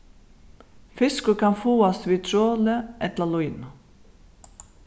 fiskur kann fáast við troli ella línu